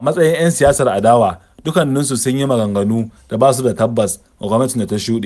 A matsayin 'yan siyasar adawa, dukkaninsu sun yi maganganun da ba su da tabbas ga gwamnatin da ta shuɗe.